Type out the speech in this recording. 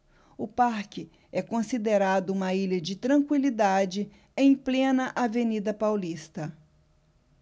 o parque é considerado uma ilha de tranquilidade em plena avenida paulista